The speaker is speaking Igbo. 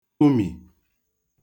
kụmì